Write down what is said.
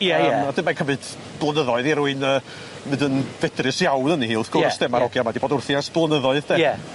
Ie ie. Yym a 'dyn mae'n cymryd blynyddoedd i rywun yy mynd yn fedrus iawn yni wrth gwrs. Ie ie. De ma'r ogia 'ma 'di bod wrthi ers blynyddoedd de. Ie.